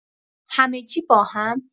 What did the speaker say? همگی با هم